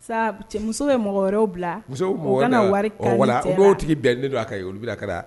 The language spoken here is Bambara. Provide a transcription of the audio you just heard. Sabu cɛ musow bɛ mɔgɔ wɛrɛw bila wari tigi bɛnnen don a ka kɛ olu ka